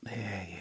Ie, ie.